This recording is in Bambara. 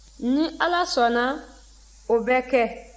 ni ala sɔnna o bɛ kɛ